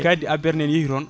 kaddi abbere nde ne yeehi toon